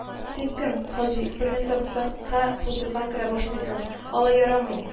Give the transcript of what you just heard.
- син, кем, хаҗи, бернәрсә булса, хәзер пузырьгя керә башлыйсың, алай ярамый